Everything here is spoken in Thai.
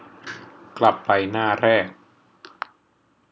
กลับไปหน้าแรก